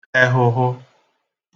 ẹhụhụ